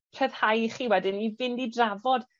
rhyddhau i chi wedyn i fynd i drafod